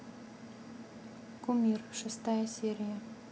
кумир шестая серия